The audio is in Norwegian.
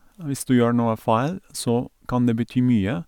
Hvis du gjør noe feil, så kan det bety mye.